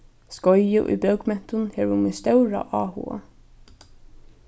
skeiðið í bókmentum hevur mín stóra áhuga